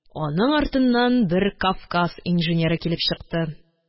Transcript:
Аның артыннан бер Кавказ инженеры килеп чыкты